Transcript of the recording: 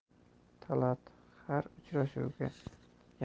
talat har uchrashuvga